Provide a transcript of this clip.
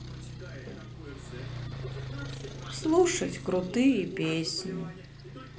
слушать крутые песни